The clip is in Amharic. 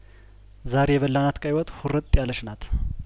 ዛሬ የበላናት ቀይወጥ ሁርጥ ያለችናት